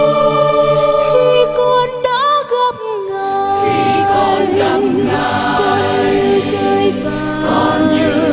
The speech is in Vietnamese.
khi con đã gặp ngài con như rơi vào